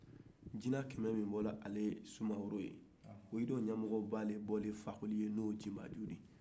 jina kɛmɛ min bɔra sumaworo ye olu ɲamɔgɔ ba de bɔra fakoli ye ni o ye jinbaji ye